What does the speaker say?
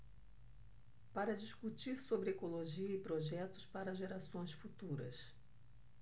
para discutir sobre ecologia e projetos para gerações futuras